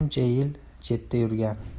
shuncha yil chetda yurgan